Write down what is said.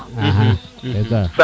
aha c' est ca